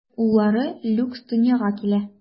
Уллары Люкс дөньяга килә.